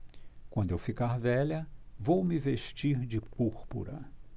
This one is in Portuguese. quando eu ficar velha vou me vestir de púrpura